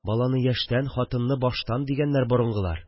Баланы яшьтән, хатынны баштан, дигәннәр борынгылар